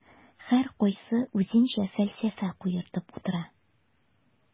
Һәркайсы үзенчә фәлсәфә куертып утыра.